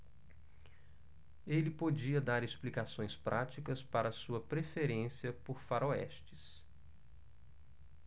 ele podia dar explicações práticas para sua preferência por faroestes